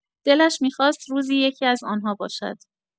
دلش می‌خواست روزی یکی‌از آن‌ها باشد.